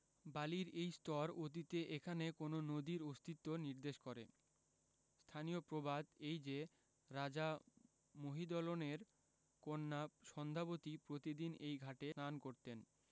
বালির এই স্তর অতীতে এখানে কোন নদীর অস্তিত্ব নির্দেশ করে স্থানীয় প্রবাদ এই যে রাজা মহিদলনের কন্যা সন্ধ্যাবতী প্রতিদিন এই ঘাটে স্নান করতেন